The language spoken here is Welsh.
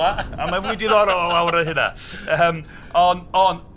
Ond mae'n mwy ddiddorol o lawer 'na hynna ymm ond... ond...